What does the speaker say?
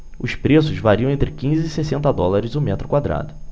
os preços variam entre quinze e sessenta dólares o metro quadrado